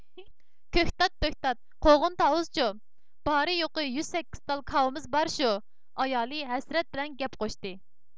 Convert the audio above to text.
كۆكتات پۆكتات قوغۇن تاۋۇزچۇ بارى يوقى يۈز سەككىز تال كاۋىمىز بار شۇ ئايالى ھەسرەت بىلەن گەپ قوشتى